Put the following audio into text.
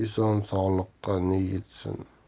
eson sog'likka ne yetsin